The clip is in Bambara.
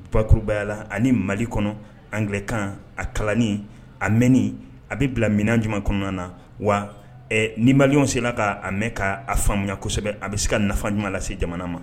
Pkurubayala ani mali kɔnɔ anlekan a kalan a mɛn a bɛ bila minɛnan jumɛn kɔnɔna na wa ni maliy sen k'a mɛn k'a faamuyaya kosɛbɛ a bɛ se ka nafa ɲuman lase jamana ma